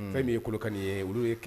Unhun fɛn min ye Kolokani ye olu ye k